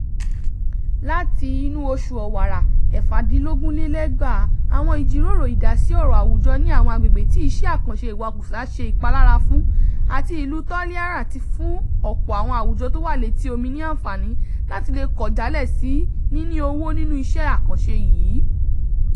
Láti October 2014, àwọn ìjíròrò ìdásí ọ̀rọ̀ àwùjọ ní àwọn agbègbè tí iṣẹ́ àkànṣe ìwakùsà ṣe ìpalára fún àti ìlu Toliara ti fún ọ̀pọ̀ àwọn àwùjọ tó wà léti omi ni ànfààní láti le kọ̀ jálẹ̀ sí níní ọwọ́ nínú iṣẹ́ àkànṣe yìí.